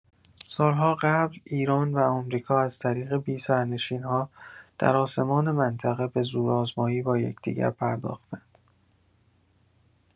سال‌ها قبل ایران و آمریکا از طریق بی‌سرنشین‌ها در آسمان منطقه به زورآزمایی با یکدیگر پرداختند.